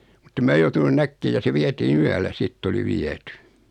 mutta en minä joutunut näkemään ja se vietiin yöllä sitten oli viety